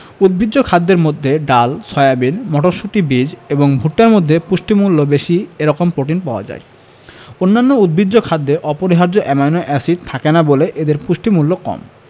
উদ্ভিজ্জ খাদ্যের মধ্যে ডাল সয়াবিন মটরশুটি বীজ এবং ভুট্টার মধ্যে পুষ্টিমূল্য বেশি এরকম প্রোটিন পাওয়া যায় অন্যান্য উদ্ভিজ্জ খাদ্যে অপরিহার্য অ্যামাইনো এসিড থাকে না বলে এদের পুষ্টিমূল্য কম